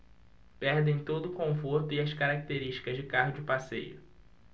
perdem todo o conforto e as características de carro de passeio